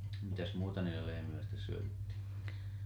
mitäs muuta niille lehmille sitten syötettiin